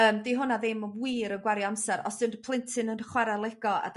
yym 'di honna ddim wir y gwario amsar os yw dy plentyn yn chwara Lego a